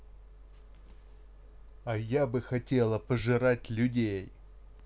а я бы хотела пожирать людей